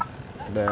để